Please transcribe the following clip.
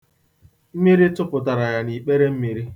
Mmiri tụpụtara ya n'ikpere mmiri.